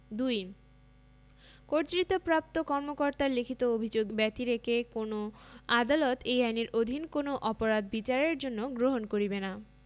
২ কর্তৃত্বপ্রাপ্ত কর্মকর্তার লিখিত অভিযোগ ব্যতিরেকে কোন আদালত এই আইনের অধীন কোন অপরাধ বিচারের জন্য গ্রহণ করিবে না